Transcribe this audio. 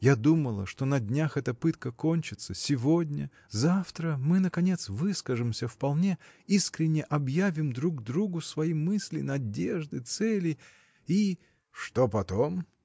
Я думала, что на днях эта пытка кончится: сегодня-завтра, мы наконец выскажемся вполне: искренно объявим друг другу свои мысли, надежды, цели. и. — Что потом?